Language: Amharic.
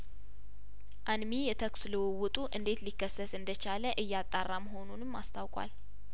አንሚ የተኩስ ልውውጡ እንዴት ሊከሰት እንደቻለእያጣራ መሆኑንም አስታውቋል